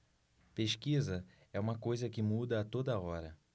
pesquisa é uma coisa que muda a toda hora